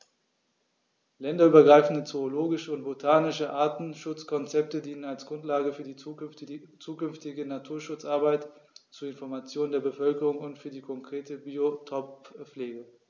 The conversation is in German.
Länderübergreifende zoologische und botanische Artenschutzkonzepte dienen als Grundlage für die zukünftige Naturschutzarbeit, zur Information der Bevölkerung und für die konkrete Biotoppflege.